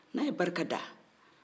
n'a ye barika da